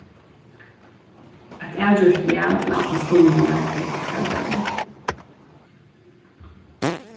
eitt avgjørt ja til allar spurningarnar er altavgerandi